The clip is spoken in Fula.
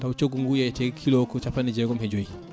taw coggu ngu yeyete kilo ko capanɗe jeegom e jooyi